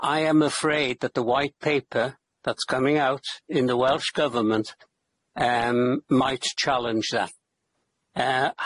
I am afraid that the White Paper that's coming out in the Welsh Government might challenge that. Yym.